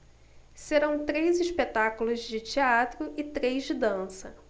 serão três espetáculos de teatro e três de dança